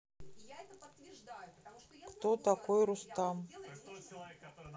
кто такой рустам